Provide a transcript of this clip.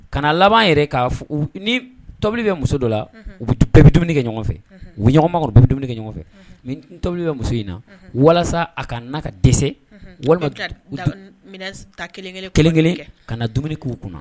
Kana laban yɛrɛ k'a fɔ ni tobili bɛ muso dɔ la, u bɛɛ bɛ dumuni kɛ ɲɔgɔn fɛ u bɛ ɲɔgɔn makɔnɔ u bɛ dumuni kɛ ɲɔgɔn fɛ, mais ni tobili bɛ muso in na walasa a ka na ka dɛsɛ , walima ka minɛn ta kekelen kelen ka na dumuni k'u kunna